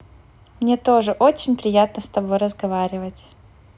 мне тоже очень приятно с тобой разговаривать